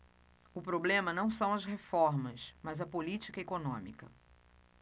o problema não são as reformas mas a política econômica